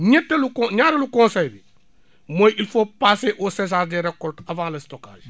ñetteelu con ñaareelu conseil bi mooy il faut passer au séchage des récoltes avant le stockage